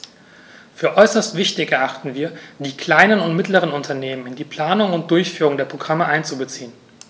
Für äußerst wichtig erachten wir, die kleinen und mittleren Unternehmen in die Planung und Durchführung der Programme einzubeziehen.